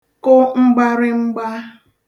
kụ mgbarịmgba